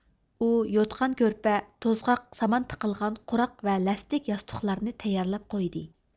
ئۇ يوتقان كۆرپە توزغاق سامان تىقىلغان قۇراق ۋە لەستىك ياستۇقلارنى تەييارلاپ قويدى